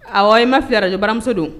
Ayiwa in ma fira ni baramuso don